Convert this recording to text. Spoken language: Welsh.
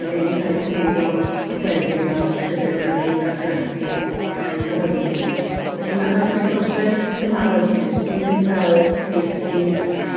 ma' rheini'n ca'l 'u cywiro ac wedyn ma'r llyfyr yn ca'l 'i argraffu a'i gyhoeddi. Felly ma- mae'n mae'n broses gymharol hir dyw e ddim fel cyfieithu